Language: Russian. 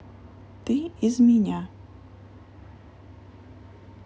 ты из меня